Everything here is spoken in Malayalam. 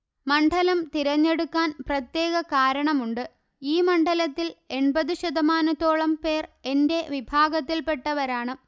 മണ്ഡലം തിരഞ്ഞെടുക്കാൻപ്രത്യേക കാരണമുണ്ട് ഈ മണ്ഡലത്തിൽ എൺപത് ശതമാനത്തോളം പേർ എന്റെ വിഭാഗത്തില്പ്പെട്ടവരാണ്